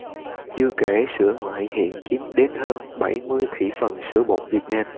chưa kể sữa ngoại hiện chiếm đến hơn bảy mươi thị phần sữa bột việt nam